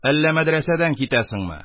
, әллә мәдрәсәдән китәсеңме?